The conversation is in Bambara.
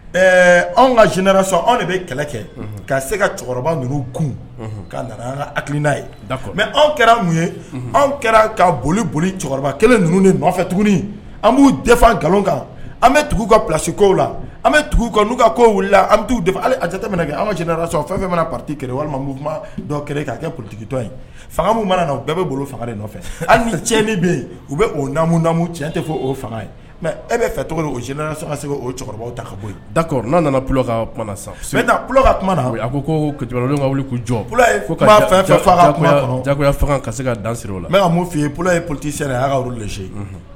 Anw ka jinɛra sɔn anw de bɛ kɛlɛ kɛ ka se ka cɛkɔrɔba ninnu g ka la hakiliki n'a ye mɛ anw kɛra ye anw kɛra ka boli boli kelen ninnu nɔfɛ tuguni an b'u nkalon kan an bɛ ka psi ko la an ka wili anu jate an ka jɛnɛ fɛn fɛn mana pti kɛ walima kuma'a kɛ ptigitɔ ye fanga min mana u bɛɛ bɛ bolo faga nɔfɛ cɛ min bɛ yen u bɛmumu cɛ tɛ fɔ oo fanga ye mɛ e bɛ fɛ tɔgɔ o ka se o ta ka bɔ da n' nana p ka kuma sa fɛnta ka kuma a ka wuli ko jɔ ka se ka da siri la ka mun f pye politi sera y' ka olu